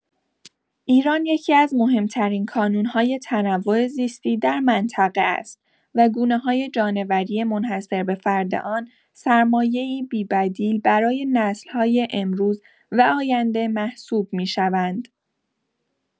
ایران یکی‌از مهم‌ترین کانون‌های تنوع زیستی در منطقه است و گونه‌های جانوری منحصربه‌فرد آن سرمایه‌ای بی‌بدیل برای نسل‌های امروز و آینده محسوب می‌شوند.